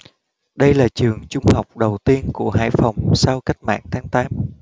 đây là trường trung học đầu tiên của hải phòng sau cách mạng tháng tám